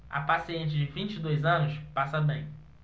a paciente de vinte e dois anos passa bem